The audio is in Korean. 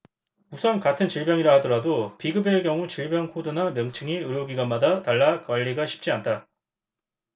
우선 같은 질병이라 하더라도 비급여의 경우 질병 코드나 명칭이 의료기관마다 달라 관리가 쉽지 않다